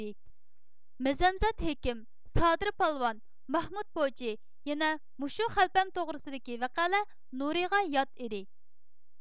مەزەمزات ھېكىم سادىر پالۋان ماھمۇت پوچى يەنە مۇشۇ خەلپەم توغرىسىدىكى ۋەقەلەر نۇرىغا ياد ئىدى